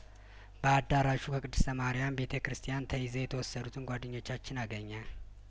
በአዳራሹ በቅድስተ ማርያም ቤተ ክርስቲያን ተይዘው የተውሰዱትን ጓደኞቻችን አገኘ